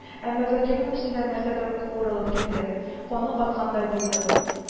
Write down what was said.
Әмма закирның эчендә нәрсәдер куырылып килде, каны каткандай булды